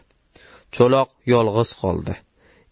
cho'loq yolg'iz qoldi